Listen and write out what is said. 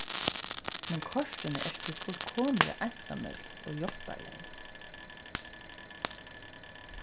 men kortini ert tú fullkomiliga einsamøll og hjálparleys